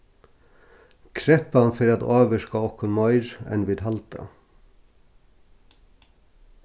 kreppan fer at ávirka okkum meir enn vit halda